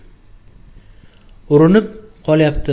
urinib qolyapti